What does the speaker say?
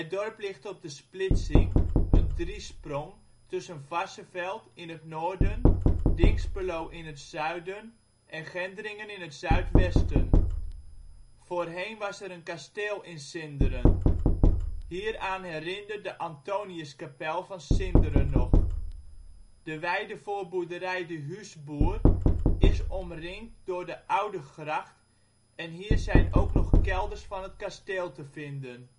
dorp ligt op de splitsing, een driesprong, tussen Varsseveld (in het noorden), Dinxperlo (in het zuiden) en Gendringen (in het zuidwesten). Voorheen was er een kasteel in Sinderen. Hieraan herinnert de Antoniuskapel van Sinderen nog. De weide voor boerderij " de Huusboer " is omringd door de oude gracht en hier zijn ook nog kelders van het kasteel te vinden